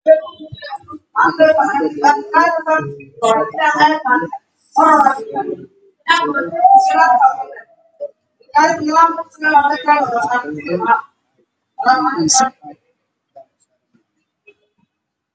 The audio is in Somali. Waa bonbalo wuxuu xiran yahay shaati cadaan ah iyo surwal madow ah